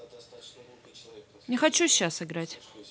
я не хочу сейчас играть